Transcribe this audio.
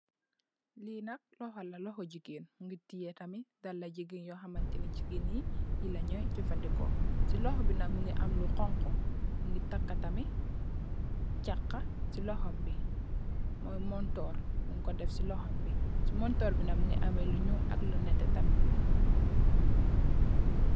Lii nak lokhor la lokhor gigain, mungy tiyeh tamit dalah gigain yor hamanteh nii giganii yii la njoi jeufandehkor, cii lokhor bii nak mungy am lu honku, mungy takah tamit chakue cii lokhom bii, moi montorre munkoh deff cii lokhom bii, cii montorre bii nak mungy ameh lu njull ak lu nehteh tamit.